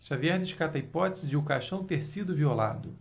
xavier descarta a hipótese de o caixão ter sido violado